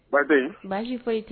Bato baasiji foyi tɛ